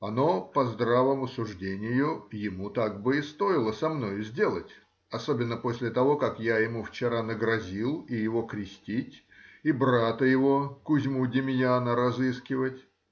Оно, по здравому суждению, ему так бы и стоило со мною сделать, особенно после того, как я ему вчера нагрозил и его крестить и брата его Кузьму-Демьяна разыскивать